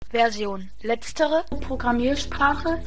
Version. Letztere Programmiersprache